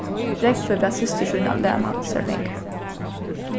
rógvi bað systur sína læna sær pengar